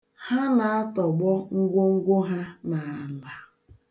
Ha na-atọgbọ ngwongwo ha n'ala.